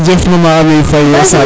jerejef Maman Amy faye o Sarare